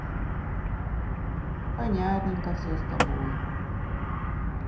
понятненько все с тобой